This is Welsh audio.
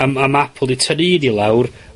A m- a ma' Apple 'di tynnu un i lawr